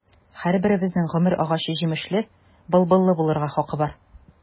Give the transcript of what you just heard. Һәрберебезнең гомер агачы җимешле, былбыллы булырга хакы бар.